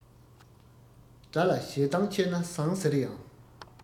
དགྲ ལ ཞེ སྡང ཆེ ན བཟང ཟེར ཡང